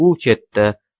u ketdi